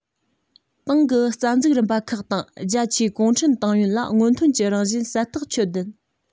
ཏང གི རྩ འཛུགས རིམ པ ཁག དང རྒྱ ཆེའི གུང ཁྲན ཏང ཡོན ལ སྔོན ཐོན གྱི རང བཞིན གསལ ཐག ཆོད ལྡན